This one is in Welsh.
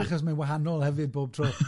Achos mae'n wahanol hefyd bob tro .